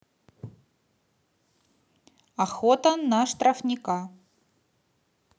охота на штрафника